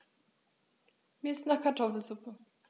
Mir ist nach Kartoffelsuppe.